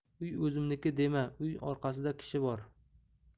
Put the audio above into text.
uy o'zimniki dema uy orqasida kishi bor